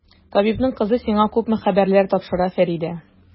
Табибның кызы сиңа күпме хәбәрләр тапшыра, Фәридә!